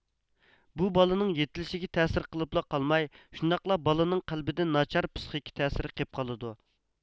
بۇ بالىنىڭ يېتىلىشىگە تەسىر قىلىپلا قالماي شۇنداقلا بالىنىڭ قەلبىدە ناچار پسىخىكا تەسىرى قېپقالىدۇ